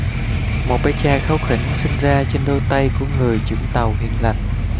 một bé trai kháu khỉnh sinh ra trên đôi tay của người trưởng tàu hiền lành